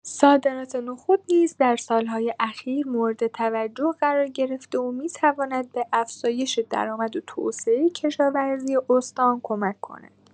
صادرات نخود نیز در سال‌های اخیر مورد توجه قرار گرفته و می‌تواند به افزایش درآمد و توسعه کشاورزی استان کمک کند.